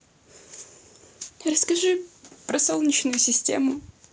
расскажи про солнечную систему